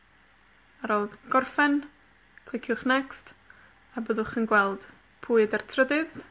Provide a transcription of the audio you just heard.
Ar ôl gorffen, cliciwch Next, a byddwch yn gweld pwy yda'r trydydd,